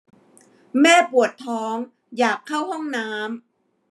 แม่ปวดท้องอยากเข้าห้องน้ำ